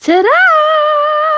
Ta-ra!